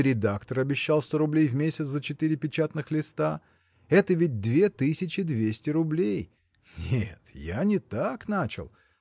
да редактор обещал сто рублей в месяц за четыре печатных листа это ведь две тысячи двести рублей! Нет! я не так начал!